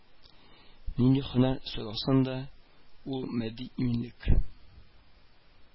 Нинди һөнәр сайласаң да ул матди иминлек